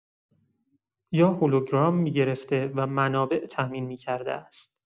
یا هولوگرام می‌گرفته و منابع تامین می‌کرده است.